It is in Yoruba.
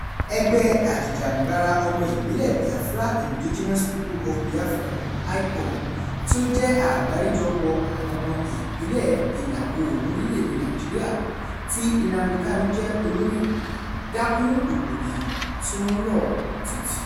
Ẹgbẹ́ ajìjàngbara ọmọ ìbílẹ̀ Biafra Indigenous People of Biafra (IPOB), tí ó jẹ́ àgbáríjọpọ̀ àwọn ọmọ ìbílẹ̀ ìlà-oòrùn orílẹ̀-èdèe Nàìjíríà tí Nnamdi Kanu jẹ́ olórí, dá kún rògbòdìyàn tí ó ń rọ́ tìtì.